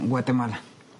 ...wedyn ma'...